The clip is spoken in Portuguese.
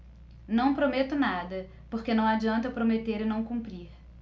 não prometo nada porque não adianta eu prometer e não cumprir